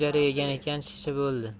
yegan ekan shishib o'ldi